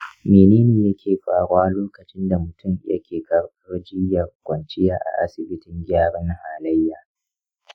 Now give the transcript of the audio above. menene yake faruwa lokacin da mutum yake karɓar jiyyar kwanciya a asibitin gyaran halayya?